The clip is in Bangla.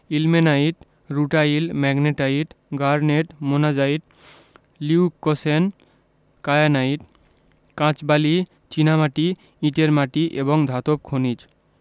ilmenite rutile magnetite garnet monazite leucoxene kyanite কাঁচবালি চীনামাটি ইটের মাটি এবং ধাতব খনিজ